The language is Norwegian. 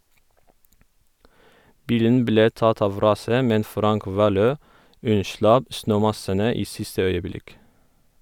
Bilen ble tatt av raset, men Frank Valø unnslapp snømassene i siste øyeblikk.